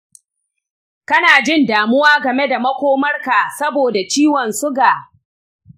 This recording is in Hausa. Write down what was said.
kana jin damuwa game da makomarka saboda ciwon suga?